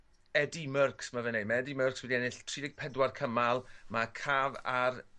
Eddy Merckx ma' fe'n neud. Ma Eddy Merckx wedi ennill tri deg pedwar cymal ma' Cav ar